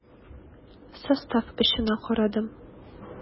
Состав очына карадым.